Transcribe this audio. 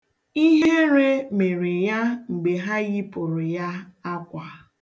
Ihere mere ya mgbe ha yipụrụ ya akwa.